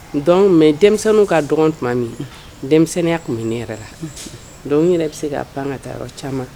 Don mɛ denmisɛnninw ka dɔn tuma min denmisɛnninya tun bɛ ne yɛrɛ la dɔnku yɛrɛ bɛ se k kaa pan ka taa yɔrɔ caman